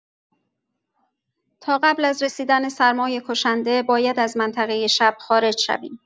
تا قبل از رسیدن سرمای کشنده باید از منطقه شب خارج شویم.